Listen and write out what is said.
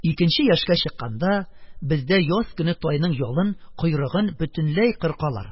Икенче яшькә чыкканда, бездә яз көне тайның ялын, койрыгын бөтенләй кыркалар: